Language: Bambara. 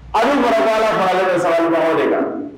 Ale mara b' la ale bɛbagaw de la